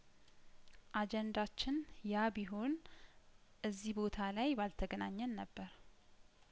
አጀንዳችን ያቢሆን እዚህ ቦታ ላይ ባል ተገናኘን ነበር